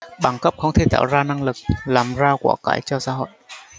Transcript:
bằng cấp không thể tạo ra năng lực làm ra của cải cho xã hội